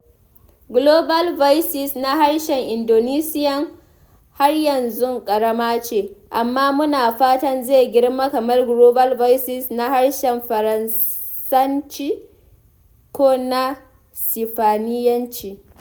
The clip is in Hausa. Global Voices na harshen Indonesian har yanzu ƙarama ce, amma muna fatan zai girma kamar Global Voices na harshen Faransanci ko na Sifaniyanci.